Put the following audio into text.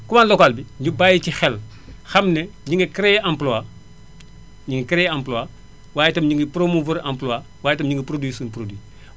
commande locale bi ñu bàyyi ci xel xam ne ñu ngi créé emploi ñu ngi créé emploi waaye tam ñu ngi promouvoir emploi waaye tam ñu ngi produire suñu produit